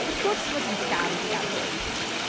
Wrth gwrs, mod i'n dy garu di, Arglwydd.